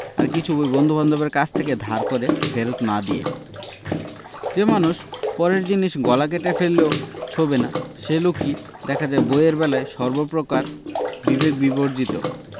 আর কিছু বই বন্ধুবান্ধবের কাছ থেকে ধার করে ফেরত্ না দিয়ে যে মানুষ পরের জিনিস গলা কেটে ফেললেও ছোঁবে না সেই লোকই দেখা যায় বইয়ের বেলায় সর্বপ্রকার বিবেক বিবর্জিত